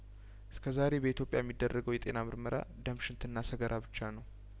እስከዛሬ በኢትዮጵያ እሚ ደረገው የጤና ምርመራ ደም ሽንትና ሰገራ ብቻ ነው